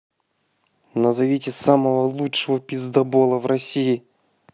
назовите самого лучшего пиздобола в россии